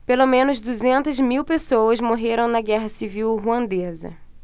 pelo menos duzentas mil pessoas morreram na guerra civil ruandesa